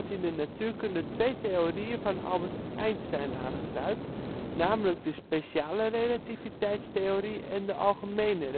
in de natuurkunde twee theorieën van Albert Einstein aangeduid, namelijk de speciale relativiteitstheorie en de algemene